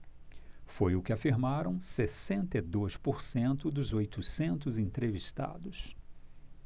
foi o que afirmaram sessenta e dois por cento dos oitocentos entrevistados